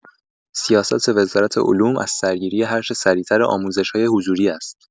سیاست وزارت علوم از سرگیری هرچه سریع‌تر آموزش‌های حضوری است.